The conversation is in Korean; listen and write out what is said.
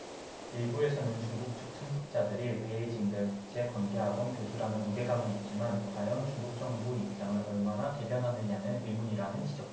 일부에서는 중국 측 참석자들이 베이징대 국제관계학원 교수라는 무게감은 있지만 과연 중국 정부 입장을 얼마나 대변하느냐는 의문이라는 지적도 있다